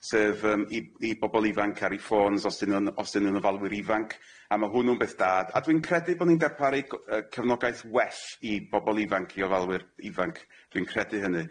sef yym i i bobol ifanc ar 'i ffôns os 'dy nw'n os y' nw'n ofalwyr ifanc a ma' hwnnw'n beth da a dwi'n credu bo ni'n darparu go- yy cefnogaeth well i bobol ifanc i ofalwyr ifanc dwi'n credu hynny.